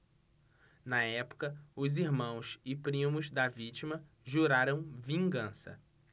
na época os irmãos e primos da vítima juraram vingança